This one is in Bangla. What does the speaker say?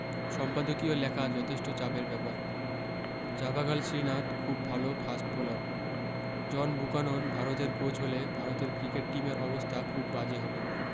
সম্পাদকিও লেখা যথেষ্ট চাপের ব্যাপার জাভাগাল সৃনাথ খুব ভালো ফাস্ট বোলার জন বুকানন ভারতের কোচ হলে ভারতের ক্রিকেট টিমের অবস্থা খুব বাজে হবে